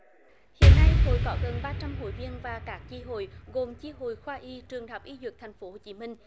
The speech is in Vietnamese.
hiện nay hội có gần ba trăm hội viên và các chi hội gồm chi hội khoa y trường đại học y dược thành phố chí minh